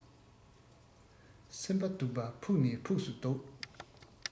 སེམས པ སྡུག པ ཕུགས ནས ཕུགས སུ སྡུག